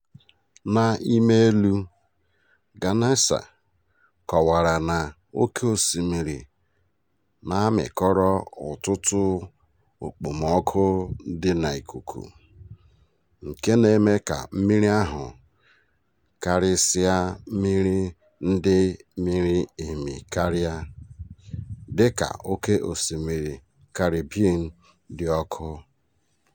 Na imeelụ, Ganase kọwara na oke osimiri na-amịkọrọ ọtụtụ okpomọọkụ dị n'ikuku, nke na-eme ka mmiri ahụ - karịsịa mmiri ndị miri emi karịa, dịka Oké Osimiri Caribbean - dị ọkụ.